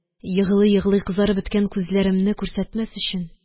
Еглый-еглый кызарып беткән күзләремне күрсәтмәс өчен